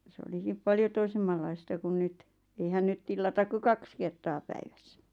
se olikin paljon toisenlaista kuin nyt eihän nyt tilata kuin kaksi kertaa päivässä